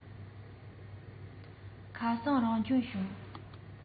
ཁ སང རང འབྱོར བྱུང